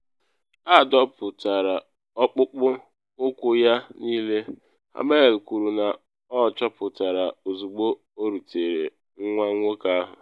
Adọpuru ọkpụkpụ ụkwụ ya niile, “ Hammel kwuru na ọ chọpụtara ozugbo o rutere nwa nwoke ahụ.